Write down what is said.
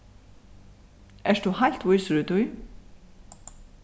ert tú heilt vísur í tí